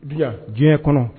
. diɲɛ kɔnɔ